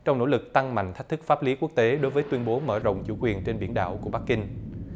trong nỗ lực tăng mạnh thách thức pháp lý quốc tế đối với tuyên bố mở rộng chủ quyền trên biển đảo của bắc kinh